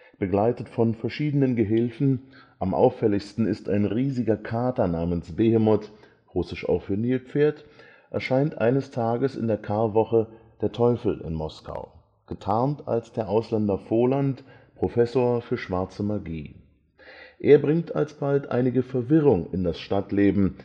Begleitet von verschiedenen Gehilfen – am auffälligsten ist ein riesiger Kater namens Behemoth (Бегемот/Begemoth, russisch auch für Nilpferd) – erscheint eines Tages in der Karwoche der Teufel in Moskau, getarnt als der Ausländer Voland, „ Professor für Schwarze Magie “. Er bringt alsbald einige Verwirrung in das Stadtleben